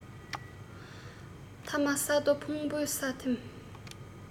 ཐ མ ས རྡོའི ཕུང པོ ས ཐིམ